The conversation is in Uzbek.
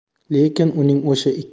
lekin uning o'sha